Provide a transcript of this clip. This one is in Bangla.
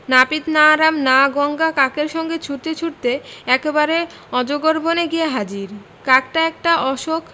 নাপিত না রাম না গঙ্গা কাকের সঙ্গে ছুটতে ছুটতে একেবারে অজগর বনে গিয়ে হাজির কাকটা একটা অশ্বখ